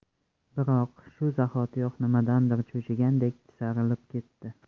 biroq shu zahotiyoq nimadandir cho'chigandek tisarilib ketdi